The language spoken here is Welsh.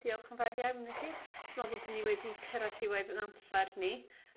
Diolch yn fawr iawn i chi. Dwi me'wl bo' 'dyn ni wedi cyrredd diwedd ein amser ni